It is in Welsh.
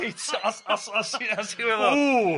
Reit os os os ti'n os ti'n meddwl w!